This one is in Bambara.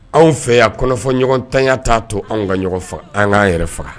Anw fɛ'ɲɔgɔn taya t'a to an ka ɲɔgɔn an k'an yɛrɛ faga